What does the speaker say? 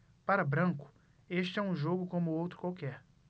para branco este é um jogo como outro qualquer